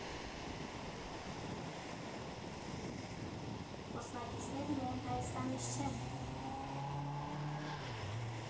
«Խոսնակները միայն Հայաստանից չեն.